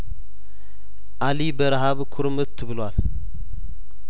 አሊ በረሀብ ኩርምት ብሏል